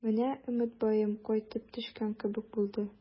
Менә Өметбаем кайтып төшкән кебек булды.